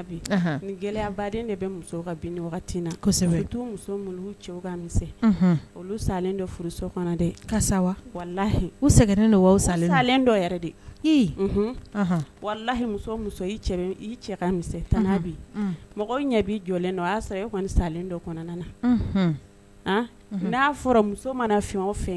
bi ni gɛlɛyaden de bɛ muso na muso olu salen furu so dɛsa wa wali u sɛgɛn sa salenyi cɛ ka mɔgɔ ɲɛ jɔlen o y'a sɔrɔ e kɔni salen dɔ kɔnɔna na n' fɔra muso mana fɛn o fɛ